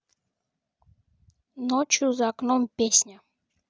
ночью за окном песня